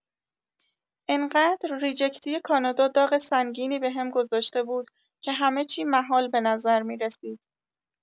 انقدر ریجکتی کانادا داغ سنگینی بهم گذاشته بود که همه چی مهال به نظر می‌رسید